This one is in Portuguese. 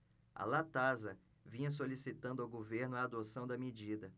a latasa vinha solicitando ao governo a adoção da medida